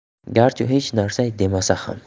garchi u hech narsa demasa ham